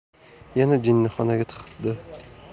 yana jinnixonaga tiqibdi